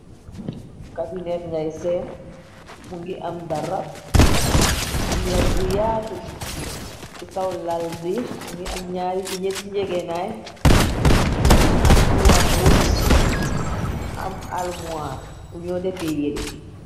cabinet ngay seem mu ngi am darab am lal bu yaatu ci kaw lal bi mu ngi am ñaari yiñeti njegenaay am kuwapos am almuir buñoo defee yiri